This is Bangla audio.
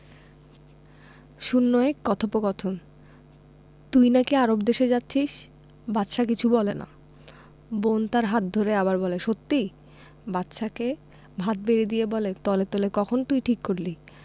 ০১ কথোপকথন তুই নাকি আরব দেশে যাচ্ছিস বাদশা কিছু বলে না বোন তার হাত ধরে আবার বলে সত্যি বাদশাকে ভাত বেড়ে দিয়ে বলে তলে তলে কখন তুই ঠিক করলি